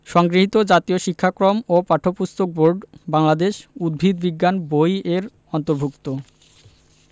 সংগৃহীত জাতীয় শিক্ষাক্রম ও পাঠ্যপুস্তক বোর্ড বাংলাদেশ উদ্ভিদ বিজ্ঞান বই এর অন্তর্ভুক্ত